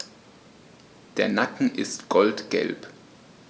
Der Nacken ist goldgelb.